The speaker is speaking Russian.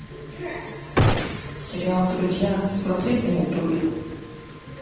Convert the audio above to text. сериал друзья смотреть на ютюбе